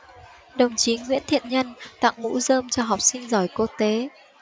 đồng chí nguyễn thiện nhân tặng mũ rơm cho học sinh giỏi quốc tế